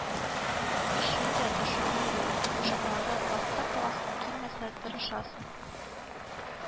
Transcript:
Өчен дә ташлама юк, башкалардан артта каласың килмәсә, тырышасың